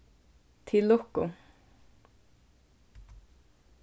til lukku